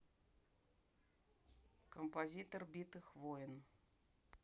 композитор битых воин